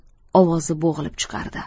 ovozi bo'g'ilib chiqardi